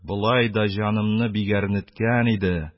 Болай да җанымны бик әрнеткән иде